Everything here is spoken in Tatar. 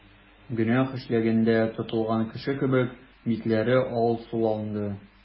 Гөнаһ эшләгәндә тотылган кеше кебек, битләре алсуланды.